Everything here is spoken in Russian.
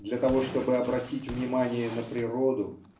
для того чтобы обратить внимание на природу